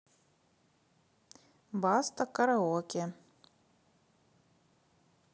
баста караоке